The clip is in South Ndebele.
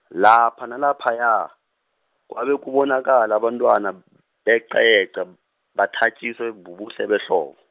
lapha nalaphaya, kwabe kubonakala abantwana beqayeqa, bathatjiswe bubuhle behlobo.